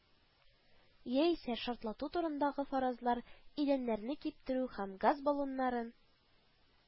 Яисә шартлату турындагы фаразлар идәннәрне киптерү һәм газ баллоннарын